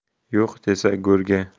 yo'q desa go'rga